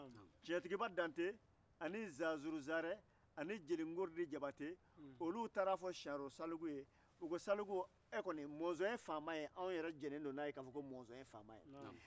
cɛntigiba danrɛ zaazuriarɛ ani jeli nkornin jabat taara a fɔ siyanro salimu ye ko mɔzɔn ye faama an sɔnnen don o ma